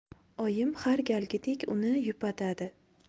oyim har galgidek uni yupatadi